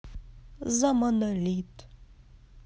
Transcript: за монолит